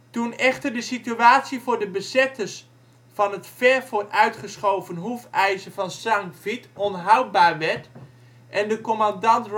Toen echter de situatie voor de bezetters van het ver vooruitgeschoven ' hoefijzer ' van Sankt Vith onhoudbaar werd en de commandant